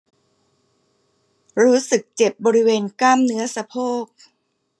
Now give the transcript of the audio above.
รู้สึกเจ็บบริเวณกล้ามเนื้อสะโพก